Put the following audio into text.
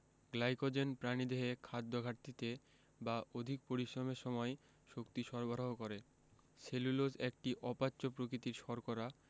glycogen প্রাণীদেহে খাদ্যঘাটতিতে বা অধিক পরিশ্রমের সময় শক্তি সরবরাহ করে সেলুলোজ একটি অপাচ্য প্রকৃতির শর্করা